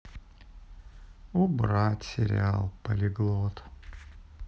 убрать сериал полиглот